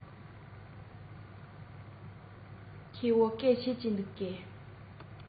འདབ ཆགས བྱིའུ དག ནི མེ ཏོག ལྗོན པའི ལོ འདབ སྟུག པོར རྒྱས པའི གསེབ ཏུ ཚང མལ འཆའ བ ལ སེམས སྤྲོ བའི ཚེ ན